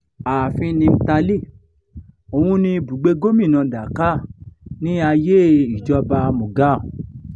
Aàfin Nimtali, òun ni ibùgbé Gómìnà Dhaka ní ayée Ìjọba Mughal.